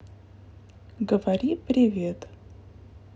говори привет